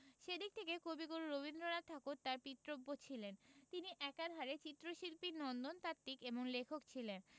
সে দিক থেকে কবিগুরু রবীন্দ্রনাথ ঠাকুর তার পিতৃব্য ছিলেন তিনি একাধারে চিত্রশিল্পী নন্দনতাত্ত্বিক এবং লেখক ছিলেন